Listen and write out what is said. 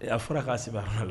A fɔra k'a sɛba han